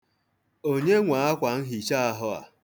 Onye nwe akwanhichaahụ a?